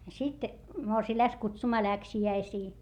sitten morsian lähti kutsumaan läksiäisiin